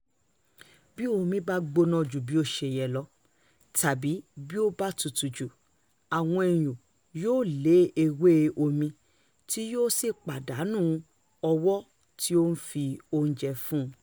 Bí omi bá gbóná ju bí ó ṣe yẹ lọ (tàbí bí ó bá tutù jù) àwọn iyùn yóò lé ewé omi — tí yóò sì pàdánù ọwọ́ tí ó ń fi oúnjẹ nù ún.